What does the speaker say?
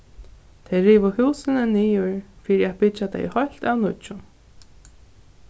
tey rivu húsini niður fyri at byggja tey heilt av nýggjum